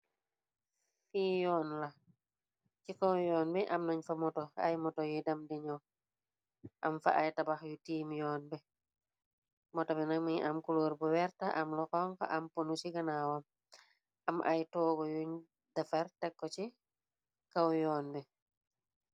fii yoon la ci kaw yoon bi am nañ fa moto, ay moto yu dem dii ñyow, am fa ay tabax yu tiim yoon bi. moto bi mingi am kuloor bu werta am lu xonka am punu ci ganaawam, am ay toogo yuñ defar tekko ci kaw yoon bi.